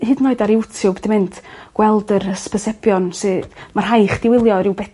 hyd yn oed ar Iwtiwb 'di mynd gweld yr hysbysebion sy... Ma' rhai' chdi wylio ryw bedair